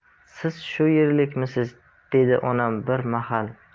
siz shu yerlikmisiz dedi onam bir mahal